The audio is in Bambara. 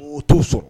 U t'o sɔn